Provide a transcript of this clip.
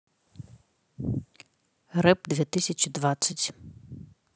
рэп две тысячи двадцать